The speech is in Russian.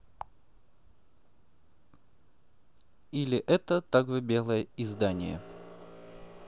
или это также белое издание